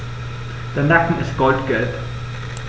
Der Nacken ist goldgelb.